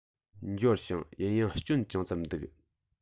འབྱོར བྱུང ཡིན ཡང སྐྱོན ཅུང ཙམ འདུག